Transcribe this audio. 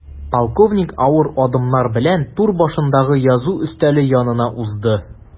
Полковник авыр адымнар белән түр башындагы язу өстәле янына узды.